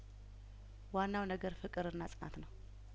ዋናው ነገር ፍቅር እና ጽናት ነው